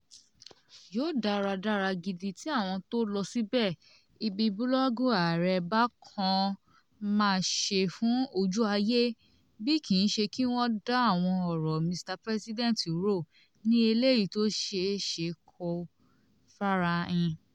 Yóò dára, dára gidi, tí àwon tó lọ síbẹ̀ (ibi búlọ́ọ̀gù Aàrẹ) bá kàn má ṣeé fún "ojú ayé" bí kii ṣe Kí wọ́n dá àwọn ọ̀rọ̀ Mr President rò ní eléyìí tó ṣeé ṣe kó "fara in".